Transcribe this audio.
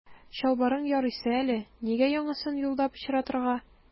Чалбарың ярыйсы әле, нигә яңасын юлда пычратырга.